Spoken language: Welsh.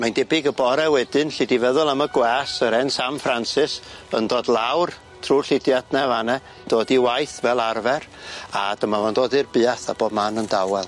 Mae'n debyg y bore wedyn 'lle 'di feddwl am y gwas yr 'en Sam Francis yn dod lawr trw'r lludiad 'ne fan 'ne dod i waith fel arfer a dyma fo'n dod i'r buath a bob man yn dawel.